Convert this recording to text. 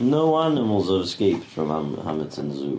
No animals have escaped from ham- Hamerton Zoo.